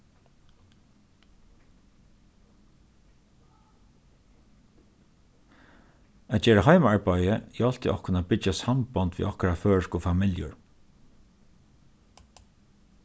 at gera heimaarbeiði hjálpti okkum at byggja sambond við okkara føroysku familjur